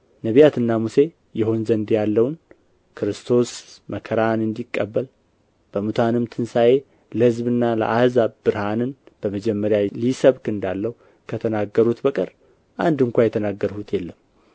ነቢያትና ሙሴ ይሆን ዘንድ ያለውን ክርስቶስ መከራን እንዲቀበል በሙታንም ትንሣኤ ለሕዝብና ለአሕዛብ ብርሃንን በመጀመሪያ ሊሰብክ እንዳለው ከተናገሩት በቀር አንድ ስንኳ የተናገርሁት የለም